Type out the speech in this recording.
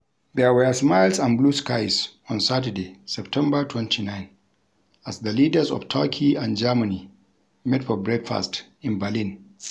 There were smiles and blue skies on Saturday (September 29) as the leaders of Turkey and Germany met for breakfast in Berlin.